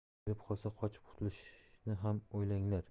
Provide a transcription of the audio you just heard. kelib qolsa qochib qutulishni ham o'ylang lar